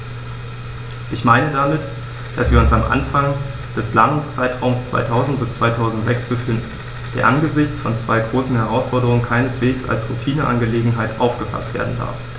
Ich meine damit, dass wir uns am Anfang des Planungszeitraums 2000-2006 befinden, der angesichts von zwei großen Herausforderungen keineswegs als Routineangelegenheit aufgefaßt werden darf.